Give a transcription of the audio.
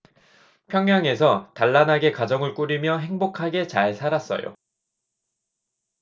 평양에서 단란하게 가정을 꾸리며 행복하게 잘 살았어요